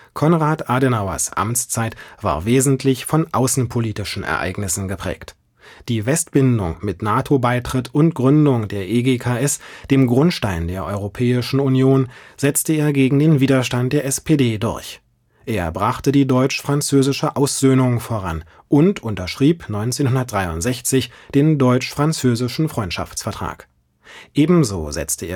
Konrad Adenauers Amtszeit war wesentlich von außenpolitischen Ereignissen geprägt. Die Westbindung mit NATO-Beitritt und Gründung der EGKS, dem Grundstein der Europäischen Union, setzte er gegen den Widerstand der SPD durch. Er brachte die deutsch-französische Aussöhnung voran und unterschrieb 1963 den deutsch-französischen Freundschaftsvertrag. Ebenso setzte